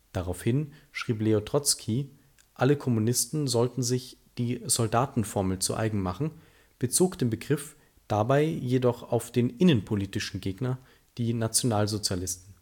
Daraufhin schrieb Leo Trotzki, alle Kommunisten sollten sich „ die Soldatenformel zu eigen machen “, bezog den Begriff dabei jedoch auf den innenpolitischen Gegner, die Nationalsozialisten